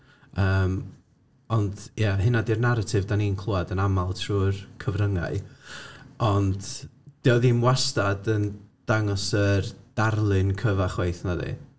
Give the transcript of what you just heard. Yym, ond, ie, hynna 'di'r naratif dan ni'n clywed yn aml trwy'r cyfryngau. Ond, 'di o ddim wastad yn dangos yr darlun cyfan chwaith na 'di?